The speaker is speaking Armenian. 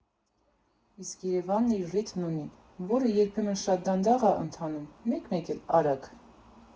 Իսկ Երևանն իր ռիթմն ունի, որը երբեմն շատ դանդաղ ա ընթանում, մեկ֊մեկ էլ՝ արագ։